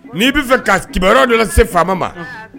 N'i b'i fɛ ka kibaruya dɔ lase faama ma.